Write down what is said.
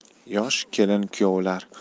yosh kelin kuyovlar